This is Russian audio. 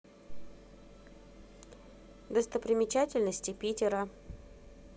достопримечательности питера